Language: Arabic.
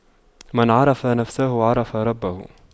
من عرف نفسه عرف ربه